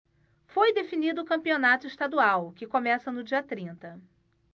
foi definido o campeonato estadual que começa no dia trinta